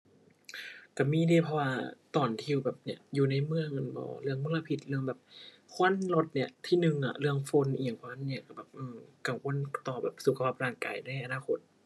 ก็มีเดะ เพราะว่าตอนที่อยู่แบบเนี่ย อยู่ในเมืองแม่นบ่ เรื่องมลพิษ เรื่องแบบควันรถเนี่ย ที่หนึ่งอะเรื่องฝุ่นอิหยังประมาณนี้ ก็แบบ อื้อ กังวลต่อแบบ สุขภาพร่างกายในอนาคต